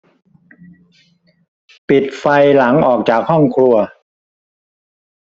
ปิดไฟหลังออกจากห้องครัว